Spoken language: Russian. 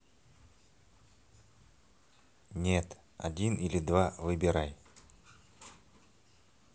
нет один или два выбирай